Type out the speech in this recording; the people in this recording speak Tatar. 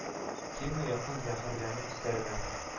«килмә якын зәһәрләнеп өсләремә!